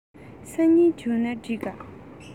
སང ཉིན བྱུང ན འགྲིག ག